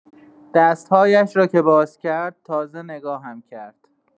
دست‌هایش را که باز کرد، تازه نگاهم کرد.